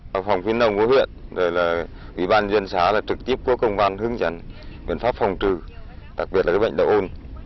phòng khuyến nông của huyện rồi là ủy ban dân xã đã trực tiếp có công văn hướng dẫn biện pháp phòng trừ đặc biệt là bệnh đạo ôn